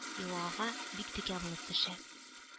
Елгага бик текә булып төшә